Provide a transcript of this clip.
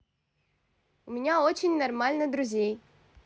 у меня очень нормально друзей